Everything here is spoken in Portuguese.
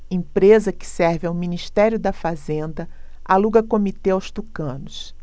empresa que serve ao ministério da fazenda aluga comitê aos tucanos